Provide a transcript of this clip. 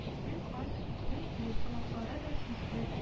Бик аз йоклый ул, колаклары да сизгер